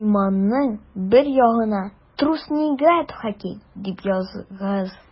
Койманың бер ягына «Трус не играет в хоккей» дип языгыз.